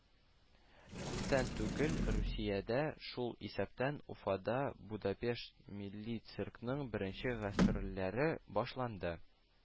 Күптән түгел Русиядә, шул исәптән Уфада Будапешт милли циркының беренче гастрольләре башланды